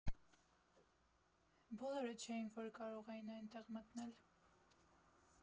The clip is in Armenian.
Բոլորը չէին, որ կարող էին այնտեղ մտնել.